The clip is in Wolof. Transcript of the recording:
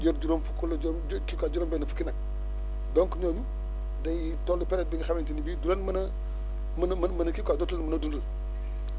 yor juróom fukk wala jëm kii quoi juróom-benn fukki nag donc loolu day toll période bi nga xamante ne bii doo mën a mën a mën kii quoi dootul a mën a dundal